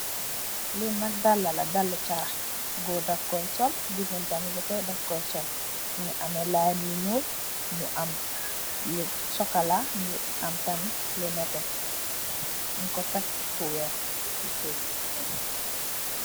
Lenak dala la, dale charac gorr daf koi sol gigen daf koi sol mugi ameh liñ nu nul ak sokola ak yu nette . nyu ko tek fu weyh si suf.